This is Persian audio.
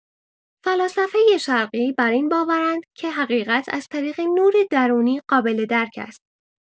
فلاسفۀ شرقی بر این باورند که حقیقت از طریق نور درونی قابل‌درک است.